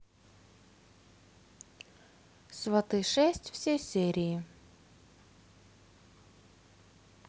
сваты шесть все серии